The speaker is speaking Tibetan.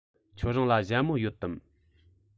ཁྱོད རང ལ ཞྭ མོ ཡོད དམ